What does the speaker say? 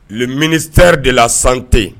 Le ministère de la santé